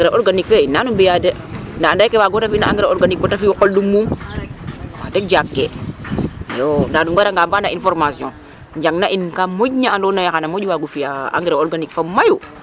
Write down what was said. Matière organique fe i naa no mbi'aa de ndaa anda yee ke waagoona fi' no engrais organique bata fi' o qol o muum wax deg jaakee iyo ndaa nu ngaranga Mb'an in formation njangna in ka moƴna andoona yee xaya moƴo waago fi'aa engrais organique fo mayu.